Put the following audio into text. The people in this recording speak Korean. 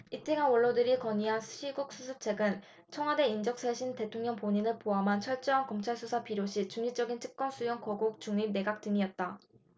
이틀간 원로들이 건의한 시국수습책은 청와대 인적 쇄신 대통령 본인을 포함한 철저한 검찰 수사 필요시 중립적인 특검 수용 거국중립내각 등이었다